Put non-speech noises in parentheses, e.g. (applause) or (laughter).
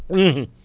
(hesitation) (hesitation)